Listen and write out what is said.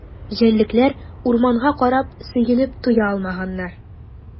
Җәнлекләр урманга карап сөенеп туя алмаганнар.